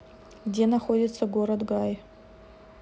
где находится город гай